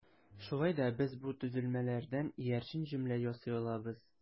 Шулай да без бу төзелмәләрдән иярчен җөмлә ясый алабыз.